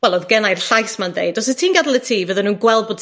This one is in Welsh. Wel odd gennai'r llais ma'n deud os wt ti'n gadl y tŷ fydden nhw'n gweld bod